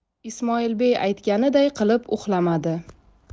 ismoilbey aytganiday qilib uxlamadi